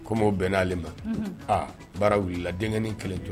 Kow bɛn n'ale ma aa baara wili la dengi kɛlɛ jɔn